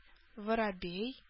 Воробей